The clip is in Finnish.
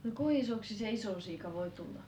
no kuinka isoksi se iso siika voi tulla